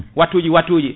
wattu ji wattu ji